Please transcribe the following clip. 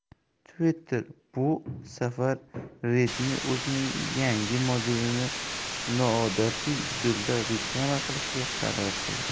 twitterbu safar redmi o'zining yangi modelini noodatiy usulda reklama qilishga qaror qildi